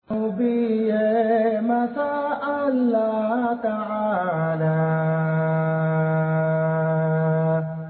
Maa miniyan ma a la ka laban